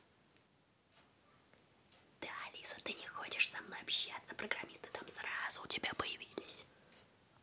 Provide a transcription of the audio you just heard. да алиса ты не хочешь со мной общаться программисты там сразу у тебя появились